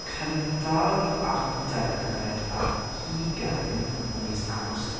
cyntaf ar degfed ar hugain o mis Awst,